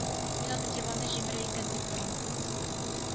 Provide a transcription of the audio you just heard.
Мин аны диванны җимерә икән дип торам